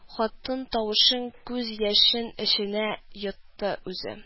Хатын тавышын, күз яшен эченә йотты, үзе: